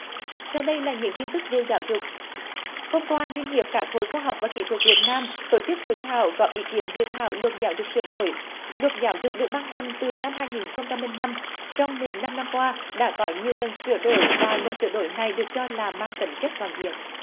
sau đây là những tin tức về giáo dục hôm qua liên hiệp các hội khoa học và kỹ thuật việt nam tổ chức hội thảo góp ý kiến dự thảo luật giáo dục sửa đổi luật giáo dục được ban hành từ năm hai nghìn không trăm linh năm trong mười lăm năm qua đã có nhiều lần sửa đổi và lần sửa đổi này được cho là mang tính chất toàn diện